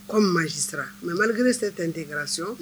Ko mahi siran mɛ maliri kelen tɛ t tɛ kɛrasi